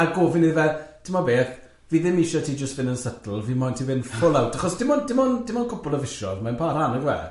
A gofyn iddo fe, timod beth, fi ddim isio ti jyst fynd yn subtle, fi moyn ti fynd full out, achos dim ond, dim ond, dim ond cwpl o fisoedd, mae'n parha am, yndyfe?